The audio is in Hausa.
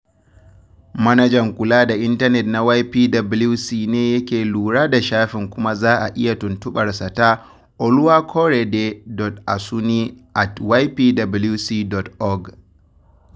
Manajan Kula da Intanet na YPWC ne yake lura da shafin kuma za a iya tuntuɓar sa ta Oluwakorede.Asuni@ypwc.org.